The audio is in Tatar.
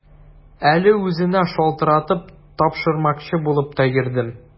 Әле үзенә шалтыратып, тапшырмакчы булып та йөрдем.